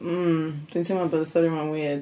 Mm, dwi'n teimlo bod y stori 'ma'n weird.